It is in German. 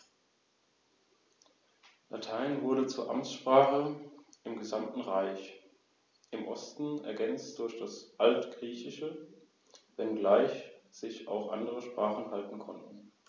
Das Rechtswesen im antiken Rom beinhaltete elementare zivil- und strafrechtliche Verfahrensvorschriften in der Rechtsordnung, die vom Grundsatz her in die modernen Rechtsnormen eingeflossen sind.